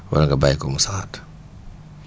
wala nga bàyyi ko mu saxaat